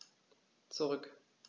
Zurück.